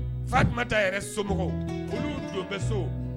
Fatumata yɛrɛ somɔgɔw, olu don n bɛ so